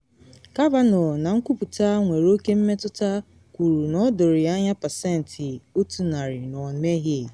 Kavanaugh, na nkwupụta nwere oke mmetụta, kwuru na o doro ya anya pasentị 100 na ọ meghị.